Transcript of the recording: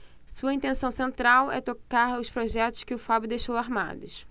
sua intenção central é tocar os projetos que o fábio deixou armados